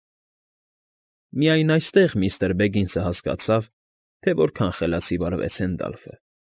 Միայն այստեղ Բեգինսը հասկացավ, թե որքան խելացի վարվեց Հենդալֆը։